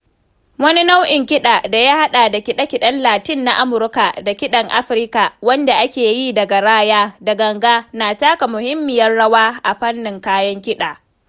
Wani nau'in kiɗa da ya haɗe kide-kiden Latin na Amurka da kiɗin Afirka, wanda ake yi da garaya da ganga na taka muhimmiyar rawa a fannin kayan kiɗa.